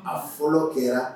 A fɔlɔ kɛra